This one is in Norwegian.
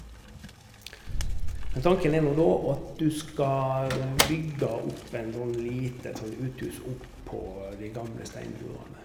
Men tanken er nå da at du skal bygge opp en sånn lite et sånt uthus oppå de gamle steinmurene.